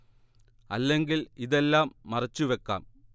അല്ലെങ്കിൽ ഇതെല്ലാം മറച്ചുവെക്കാം